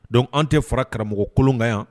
Donc anw tɛ fara karamɔgɔ kolon kan yan.